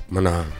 Ma